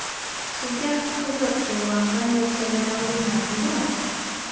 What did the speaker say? Сезгә кызык тоелган коммерцияле тәкъдимнәр булдымы?